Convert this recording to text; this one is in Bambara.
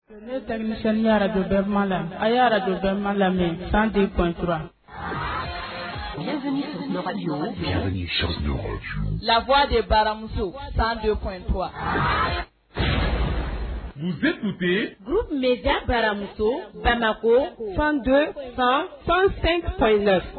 Ne denmisɛnninni aradon bɛma la a y' aradon bɛ ma lamɛn san de kɔntura labɔ de baramuso san bɛ kɔntu tun bɛ yen du tun bɛda baramuso ka na ko fɛn don san san sen fa la